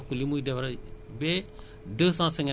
bu caisse bi yàqoo ñu jox la li nga jëndee caisse